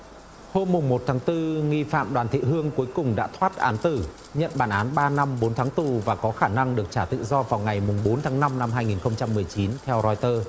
hôm mùng một tháng tư nghi phạm đoàn thị hương cuối cùng đã thoát án tử nhận bản án ba năm bốn tháng tù và có khả năng được trả tự do vào ngày mùng bốn tháng năm năm hai nghìn không trăm mười chín theo roi tơ